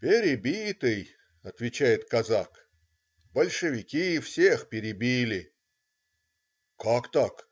"Перебитый,- отвечает казак,- большевики всех перебили. "- "Как так?